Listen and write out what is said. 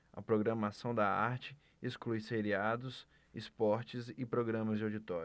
a programação da arte exclui seriados esportes e programas de auditório